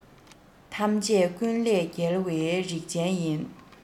ཐམས ཅད ཀུན ལས རྒྱལ བའི རིག ཅན ཡིན